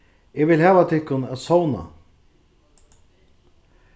eg vil hava tykkum at sovna